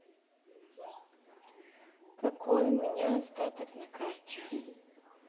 какой у меня остаток на карте